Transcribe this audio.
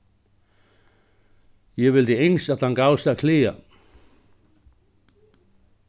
eg vildi ynskt at hann gavst at klaga